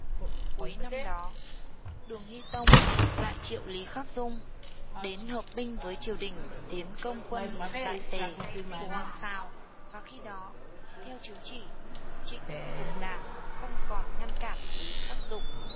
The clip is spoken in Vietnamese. cuối năm đó đường hy tông lại triệu lý khắc dung đến hợp binh với triều đình tiến công quân đại tề của hoàng sào và khi đó theo chiếu chỉ trịnh tùng đảng không còn ngăn cản lý khắc dụng